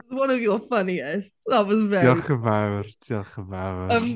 One of your funniest. That was very... Diolch yn fawr diolch yn fawr.